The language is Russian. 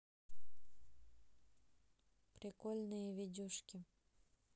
прикольные видюшки